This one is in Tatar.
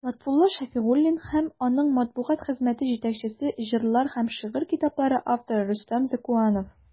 Лотфулла Шәфигуллин һәм аның матбугат хезмәте җитәкчесе, җырлар һәм шигырь китаплары авторы Рөстәм Зәкуанов.